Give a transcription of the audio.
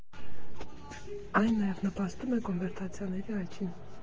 Այն նաև նպաստում է կոնվերտացիաների աճին։